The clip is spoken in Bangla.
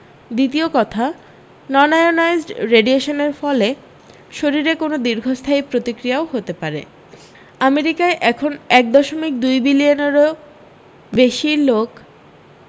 দ্বিতীয় কথা ননায়োনাইজড রেডিয়েশনের ফলে শরীরে কোনও দীর্ঘস্থায়ী প্রতিক্রিয়াও হতে পারে আমেরিকায় এখন এক দশমিক দুই বিলিয়নেরও বেশী লোক